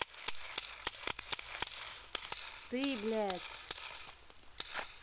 ты блядь